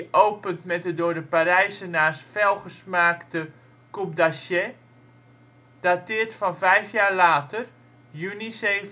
opent met de door de Parijzenaars fel gesmaakte ' coup d'archet ', dateert van vijf jaar later (juni 1778